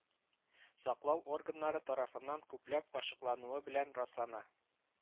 Саклау органнары тарафыннан күпләп ачыклануы белән раслана